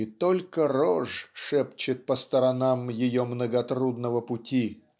и "только рожь шепчет по сторонам" ее многотрудного пути.